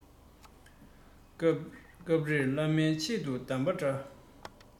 སྐབས རེར བླ མས ཆེད དུ གདམས པ འདྲ